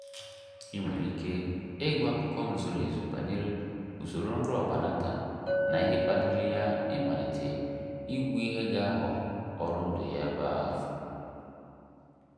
Ị nwere ike ịgụ akụkọ m zuru ezu banyere usoro nrọ Banatah na ihe kpaliri ya ịmalite igwu ihe ga-aghọ ọrụ ndụ ya ebe a: